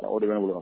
A o de bɛ bolo